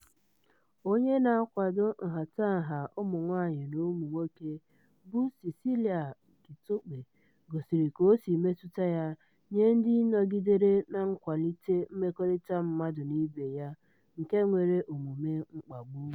Onye na-akwado nhatanha ụmụ nwaanyị na ụmụ nwoke bụ Cecília Kitombé gosiri ka o si metụta ya nye ndị nọgidere na-akwalite mmekọrịta mmadụ na ibe ya nke nwere omume mkpagbu: